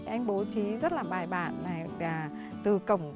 anh bố trí rất là bài bản này từ cổng